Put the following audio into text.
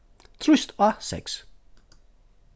trýst á seks